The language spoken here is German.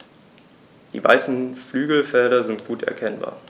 Die weißen Flügelfelder sind gut erkennbar.